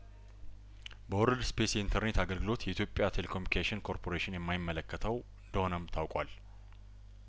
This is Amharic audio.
በወርልድ ስፔስ የኢንተርኔት አግልግሎት የኢትዮጵያ ቴሌኮሙኒኬሽን ኮርፖሬሽን የማይመለከተው እንደሆነም ታውቋል